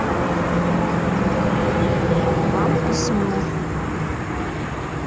вам письмо